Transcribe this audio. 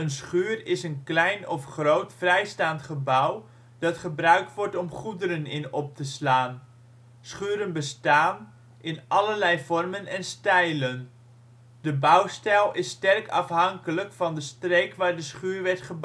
schuur is een klein of groot vrijstaand gebouw, dat gebruikt wordt om goederen in op te slaan. Schuren bestaan (en bestonden) in allerlei vormen en stijlen. De bouwstijl is sterk afhankelijk van de streek waar de schuur werd